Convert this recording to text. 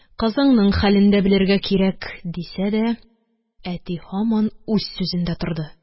Кызыңның хәлен дә белергә кирәк, – дисә дә, әти һаман үз сүзендә торды.